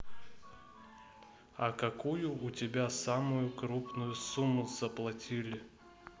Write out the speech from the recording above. а какую у тебя самую крупную сумму заплатили